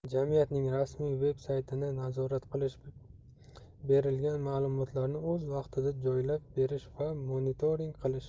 jamiyatning rasmiy veb saytini nazorat qilish berilgan ma'lumotlarni o'z vaqtida joylab borish va monitoring qilish